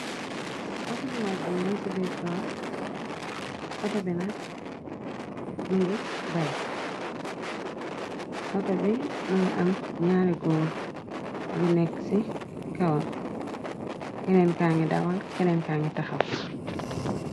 auto bu mag bi mën ci betool autobinak më ngi bay autobi më ngi am ñaare góor yu nekk ci kawon keneen ka ngi dawal keneen kaa ngi taxaw